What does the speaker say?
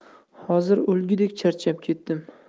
hozir o'lgudek charchab ketdim